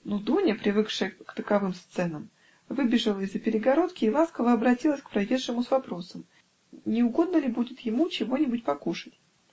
но Дуня, привыкшая к таковым сценам, выбежала из-за перегородки и ласково обратилась к проезжему с вопросом: не угодно ли будет ему чего-нибудь покушать?